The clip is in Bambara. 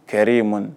Kɛ ye manɔni